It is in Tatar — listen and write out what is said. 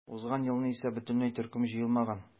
Узган елны исә бөтенләй төркем җыелмаган.